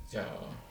jaa